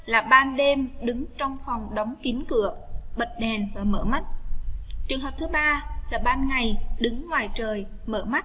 lập ban đêm đứng trong phòng đóng kín cửa bật đèn và mở mắt trường hợp thứ ba đứng ngoài trời mở mắt